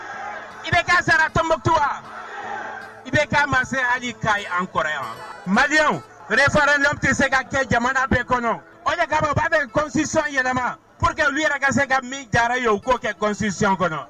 I bɛ katomɔtu i bɛ ma ali k an kɔrɔ mariafa tɛ se ka kɛ jamana bɛ kɔnɔ kaba bɛsisɔn yɛlɛma p que u yɛrɛ ka se ka diyara ye u k'o kɛ gsisi kɔnɔ